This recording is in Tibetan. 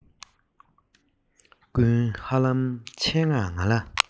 ཀུན ཧ ལམ ཆེད མངགས ང ལ